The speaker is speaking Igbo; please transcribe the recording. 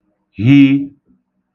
h